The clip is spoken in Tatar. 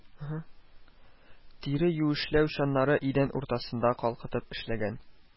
Тире юешләү чаннары идән уртасында калкытып эшләнгән